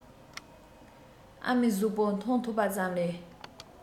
ཨ མའི གཟུགས པོ མཐོང ཐུབ པ ཙམ ལས